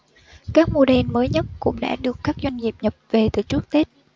các model mới nhất cũng đã được các doanh nghiệp nhập về từ trước tết